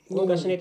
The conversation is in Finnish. niin